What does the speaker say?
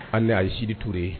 An a ye sitoure ye